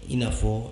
I'afɔ